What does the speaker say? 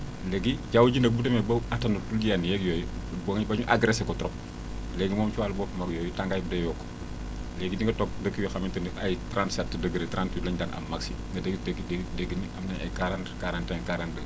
léegi jaww ji nag bu demee ba attanatu yenn yeeg yooyu bo ngeen ba ñu agressé ko trop léegi moom si wàllu boppam ak yooyu tàngaay bi day yokku léegi di nga toog dëkk yoo xamante ne ay 37 degré 38 la ñu daan am maximum mais da ngay dégg léegi nag am nañu ay 40 41 42